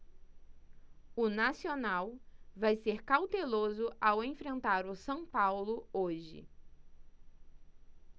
o nacional vai ser cauteloso ao enfrentar o são paulo hoje